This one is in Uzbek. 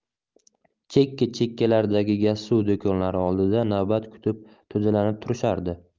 chekka chekkalardagi gazsuv do'konlari oldida navbat kutib to'dalanib turishardi